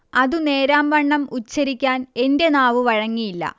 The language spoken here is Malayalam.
അതു നേരാംവണ്ണം ഉച്ചരിക്കാൻ എൻെറ നാവു വഴങ്ങിയില്ല